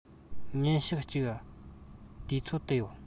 ཉིན ཞག གཅིག ག དུས ཚོད དུ ཡོད